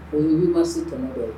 O ni' ma si tɔ kɔrɔ